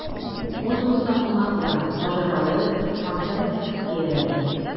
Космостан кунаклар: маҗаралы, фантастик хикәяләр.